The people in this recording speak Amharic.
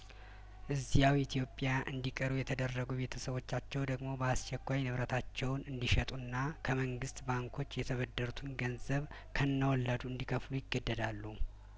እዚያው ኢትዮጵያ እንዲቀሩ የተደረጉ ቤተሰቦቻቸው ደግሞ በአስቸኳይ ንብረቶቻቸውን እንዲሸጡና ከመንግስት ባንኮች የተበደሩትን ገንዘብ ከነወለዱ እንዲከፍሉ ይገደዳሉ